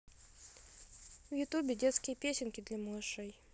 в ютубе детские песенки для малышей